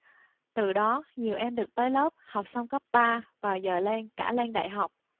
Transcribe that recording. từ đó nhiều em được tới lớp học xong cấp ba và giờ lên cả lên đại học